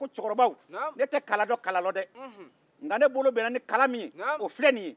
a ko cɛkɔrɔbaw ne tɛ kala dɔn kala rɔ dɛ nka ne bolo bɛnna ni kala min ye o fillɛ nin ye